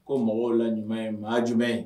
Ko mɔgɔw la jumɛnuma ye maa jumɛn ye